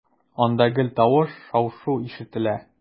Анда гел тавыш, шау-шу ишетелә.